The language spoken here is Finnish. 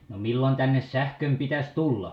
no milloin tänne sähkön pitäisi tulla